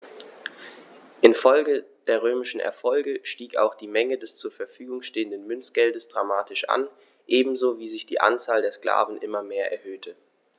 Infolge der römischen Erfolge stieg auch die Menge des zur Verfügung stehenden Münzgeldes dramatisch an, ebenso wie sich die Anzahl der Sklaven immer mehr erhöhte.